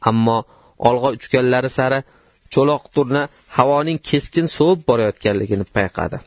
ammo olg'a uchganlari sari cho'loq turna havoning keskin sovib borayotganini payqadi